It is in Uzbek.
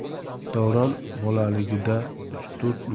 davron bolaligida uch to'rt